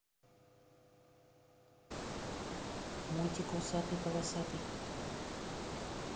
мультик усатый полосатый